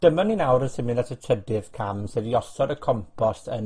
Dyma ni nawr, yn symud at y trydydd cam, sef i osod y compost yn